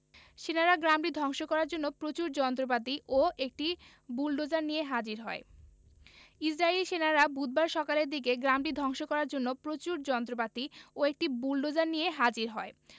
সেনারা গ্রামটি ধ্বংস করার জন্য প্রচুর যন্ত্রপাতি ও একটি বুলোডোজার নিয়ে হাজির হয় ইসরাইলী সেনারা বুধবার সকালের দিকে গ্রামটি ধ্বংস করার জন্য প্রচুর যন্ত্রপাতি ও একটি বুলোডোজার নিয়ে হাজির হয়